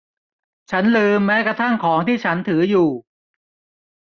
ฉันลืมแม้กระทั่งของที่ฉันถืออยู่